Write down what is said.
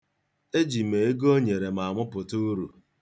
Eji m ego o nyere m amụpụta uru.